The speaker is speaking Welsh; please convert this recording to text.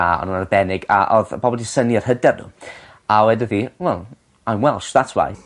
o' n'w yn arbennig a odd y pobol 'di synnu ar hyder n'w a wedodd 'i wel I'm Welsh that's why.